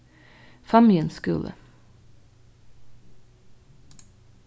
fámjins skúli